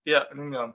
Ia, yn union.